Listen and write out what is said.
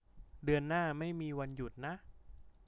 เดือนหน้าไม่มีวันหยุดนะ